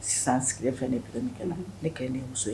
Sisan sigilen fɛn ne bɛ min kɛ la ne kɛ ne muso ye